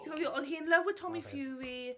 Oedd hi in love with Tommy Fury.